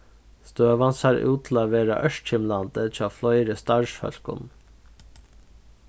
støðan sær út til at vera ørkymlandi hjá fleiri starvsfólkum